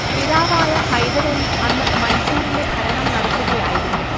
പിതാവായ ഹൈദരലി അന്ന് മൈസൂരിന്റെ ഭരണം നടത്തുകയായിരുന്നു